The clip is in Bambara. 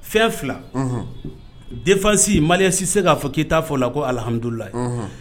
Fɛn fila defasi maliya si se k'a fɔ k keyita fɔ o la ko alihammududulayi